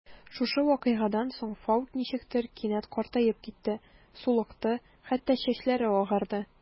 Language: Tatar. Шушы вакыйгадан соң Фау ничектер кинәт картаеп китте: сулыкты, хәтта чәчләре агарды.